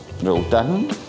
rượu trắng